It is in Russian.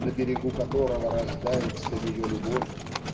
на берегу которого рождается ее любовь